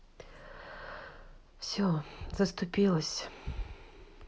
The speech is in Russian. все заступилась